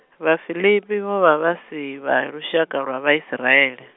Vhafilipi vho vha vha si vha lushaka lwa Vhaisiraele.